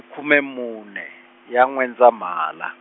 khume mune, ya N'wendzamhala.